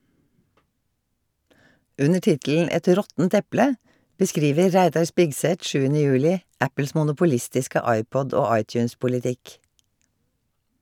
Under tittelen "Et råttent eple" beskriver Reidar Spigseth 7. juli Apples monopolistiske iPod- og iTunes-politikk.